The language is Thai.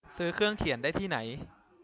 ซื้อเครื่องเขียนได้ที่ไหน